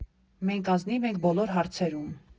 Մենք ազնիվ ենք բոլոր հարցերում։